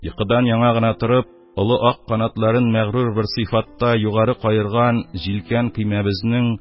Йокыдан яңа гына торып, олы ак канатларын мәгърур бер сыйфатта югары каерган җилкән-көймәбезнең